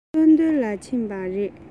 ཚོགས འདུ ལ ཕྱིན པ རེད